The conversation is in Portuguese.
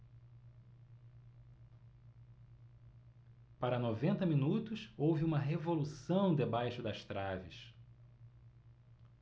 para noventa minutos houve uma revolução debaixo das traves